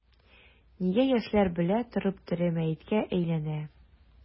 Нигә яшьләр белә торып тере мәеткә әйләнә?